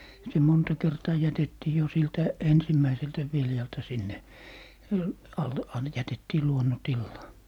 se monta kertaa jätettiin jo siltä ensimmäiseltä viljalta sinne -- jätettiin luonnontilaan